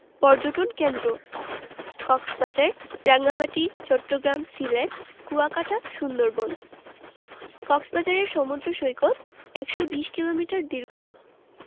পর্যটন কেন্দ্রঃ কক্সবাজার রাঙ্গামাটি চট্টগ্রাম সিলেট কুয়াকাটা সুন্দরবন কক্সবাজারের সমুদ্র সৈকত ১২০ কিলোমিটার দীর্ঘ